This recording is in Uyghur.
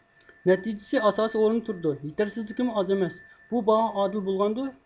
نەتىجىسى ئاساسىي ئورۇندا تۇرىدۇ يېتەرسىزلىكىمۇ ئاز ئەمەس بۇ باھا ئادىل بولغاندۇر